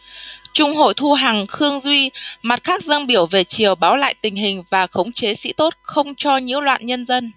chung hội thu hàng khương duy mặt khác dâng biểu về triều báo lại tình hình và khống chế sĩ tốt không cho nhiễu loạn nhân dân